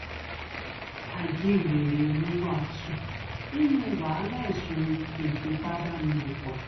Ajíhìnrere Oníwàásù nínúu wàhálà ẹ̀sùn ìfipábánilòpọ̀